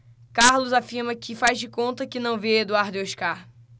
carlos afirma que faz de conta que não vê eduardo e oscar